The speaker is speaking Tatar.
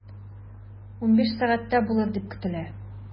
15.00 сәгатьтә булыр дип көтелә.